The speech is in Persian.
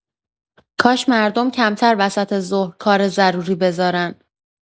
کاش مردم کمتر وسط ظهر کار ضروری بذارن.